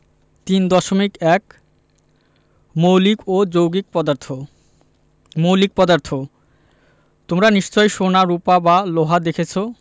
৩.১ মৌলিক ও যৌগিক পদার্থঃ মৌলিক পদার্থ তোমরা নিশ্চয় সোনা রুপা বা লোহা দেখেছ